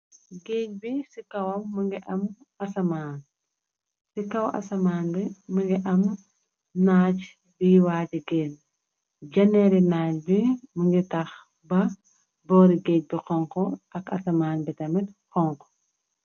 gej ci kaw asamaan bi mëngi am naaj biy waati géen janeeri naaj bi mëngi tax ba boori géej bi xonko ak asamaan bi tamet xonk